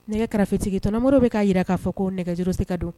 Nɛgɛfetigi tmo bɛ ka jira k'a fɔ ko nɛgɛjsi ka don